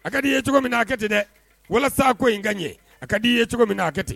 A ka di i ye cogo min na' kɛ ten dɛ walasa ko in ka ɲɛ a ka di i ye cogo min na' kɛ ten